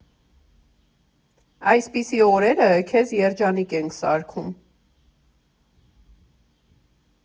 Այսպիսի օրերը քեզ երջանիկ ենք սարքում։